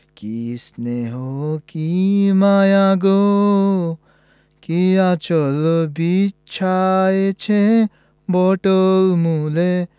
কী স্নেহ কী মায়া গো কী আঁচল বিছায়েছ বটের মূলে